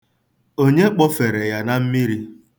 Onye kpọfere ya na mmiri?